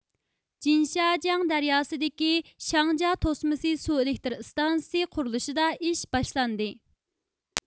جىنشاجياڭ دەرياسىدىكى شياڭجيا توسمىسى سۇ ئېلېكتر ئىستانسىسى قۇرۇلۇشىدا ئىش باشلاندى